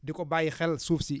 di ko bàyyi xel suuf si